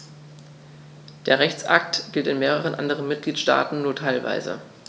Der Rechtsakt gilt in mehreren anderen Mitgliedstaaten nur teilweise.